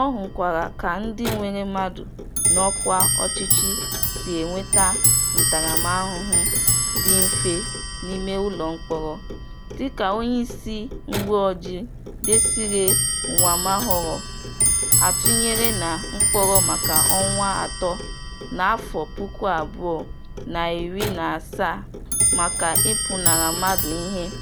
Ọ hụkwara ka ndị nwere mmadụ n'ọkwa ọchịchị si enweta ntaramahụhụ dị mfe n'ime ụlọ mkpọrọ, dịka onyeisi uweojii Désiré Uwamahoro — atụnyere na mkpọrọ maka ọnwa atọ na 2017 maka ịpụnara mmadụ ihe-